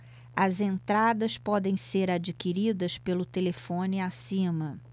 as entradas podem ser adquiridas pelo telefone acima